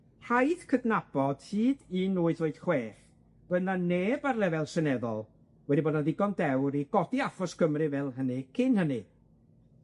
rhaid cydnabod hyd un wyth wyth chwech roedd 'na neb ar lefel seneddol wedi bod yn ddigon dewr i godi achos Cymru fel hynny cyn hynny.